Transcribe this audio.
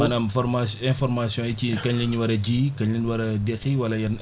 maanaam forma information yi ci kañ la ñu war a ji kañ la ñu war a deqi wala yenn